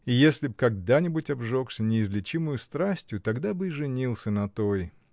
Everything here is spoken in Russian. И если б когда-нибудь обжегся неизлечимою страстью, тогда бы и женился на той.